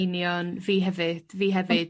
union fi hefyd fi hefyd.